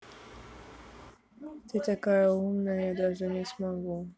ты такая умная я даже не смогу